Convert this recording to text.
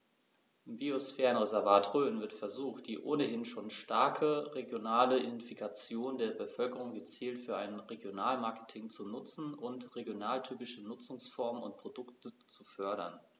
Im Biosphärenreservat Rhön wird versucht, die ohnehin schon starke regionale Identifikation der Bevölkerung gezielt für ein Regionalmarketing zu nutzen und regionaltypische Nutzungsformen und Produkte zu fördern.